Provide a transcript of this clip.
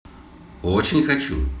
очень хочу